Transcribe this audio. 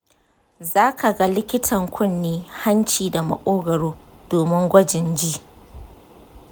za ka ga likitan kunne hanci da makogoro domin gwajin ji.